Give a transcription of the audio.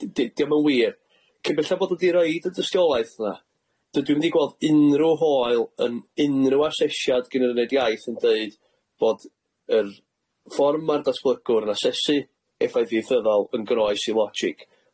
Di- di- diom yn wir cy'bella bod yn roid y dystiolaeth yna dydw i'n mynd i gweld unrhyw hoyl yn unrhyw asesiad gyn yr uned iaith yn deud bod yr ffor ma'r datblygwr yn asesu effaith ieithyddol yn goroes i logic